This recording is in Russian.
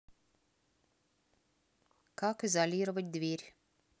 как изолировать дверь